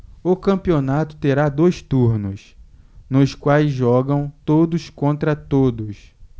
o campeonato terá dois turnos nos quais jogam todos contra todos